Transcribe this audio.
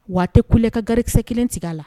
Waa tɛ kulelɛ ka garisɛ kelen tigɛ a la